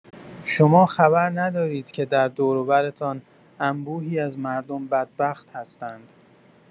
شما خبر ندارید که در دوروبرتان انبوهی از مردم بدبخت هستند.